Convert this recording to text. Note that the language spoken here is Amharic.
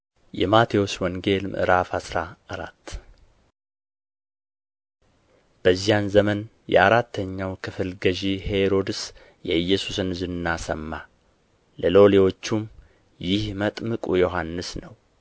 ﻿የማቴዎስ ወንጌል ምዕራፍ አስራ አራት በዚያ ዘመን የአራተኛው ክፍል ገዥ ሄሮድስ የኢየሱስን ዝና ሰማ ለሎሌዎቹም ይህ መጥምቁ ዮሐንስ ነው